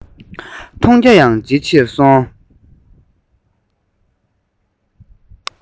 མཐོང རྒྱ ཡང ཇེ ཆེར སོང